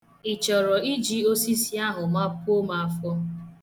Ị chọrọ iji osisi ahụ mapuo m afọ?